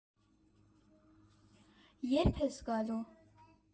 Ե՞րբ ես գալու։